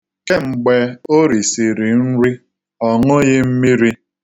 Kemgbe o risiri nri, ọ ṅụghị mmiri